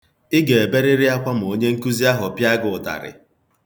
Ị ga-eberịrị akwa ma onyenkụzi ahụ pịa gị ụtarị.